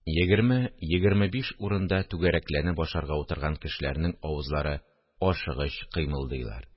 Егерме-егерме биш урында түгәрәкләнеп ашарга утырган кешеләрнең авызлары ашыгыч кыймылдыйлар